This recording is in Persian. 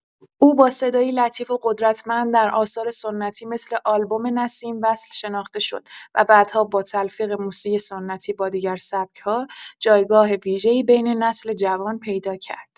او با صدایی لطیف و قدرتمند در آثار سنتی مثل آلبوم نسیم وصل شناخته شد و بعدها با تلفیق موسیقی سنتی با دیگر سبک‌ها جایگاه ویژه‌ای بین نسل جوان پیدا کرد.